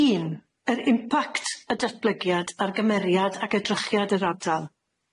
Un.Yr impact y datblygiad ar gymeriad ac edrychiad yr ardal.